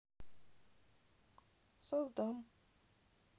создам